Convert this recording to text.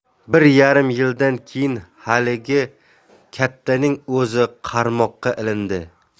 bir yarim yildan keyin haligi kattaning o'zi qarmoqqa ilindi